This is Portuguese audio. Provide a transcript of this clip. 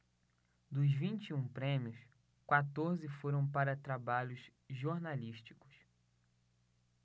dos vinte e um prêmios quatorze foram para trabalhos jornalísticos